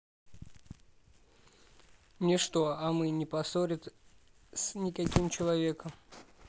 не что а мы не поссорит с каким человеком